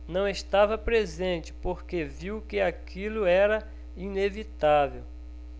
não estava presente porque viu que aquilo era inevitável